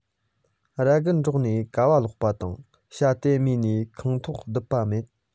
ར རྒན འདྲོགས ནས ཀ བ ལོག པ དང བྱ དེ སྨྱོས ནས ཁང ཐོག བརྡིབས པ མེད